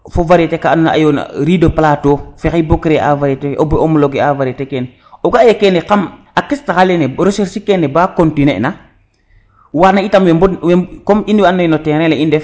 fo varieté ka ando naye a yona riz :fdra de plateau fexey bo creer varieté ke o homoleguer vaviété kene o ga e kene kam a kestaxa lene recherche kene ba continiuer na wana itam we mbod na comme in we nado naye no terrain le i ndef